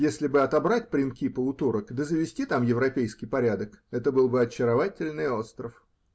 Если бы отобрать Принкипо у турок да завести там европейский порядок, это был бы очаровательный остров.